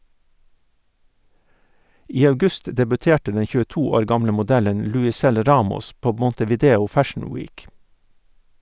I august debuterte den 22 år gamle modellen Luisel Ramos på Montevideo Fashion Week.